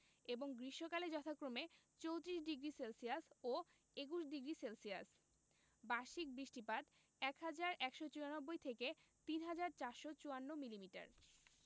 এবং গ্রীষ্মকালে যথাক্রমে ৩৪ডিগ্রি সেলসিয়াস ও ২১ডিগ্রি সেলসিয়াস বার্ষিক বৃষ্টিপাত ১হাজার ১৯৪ থেকে ৩হাজার ৪৫৪ মিলিমিটার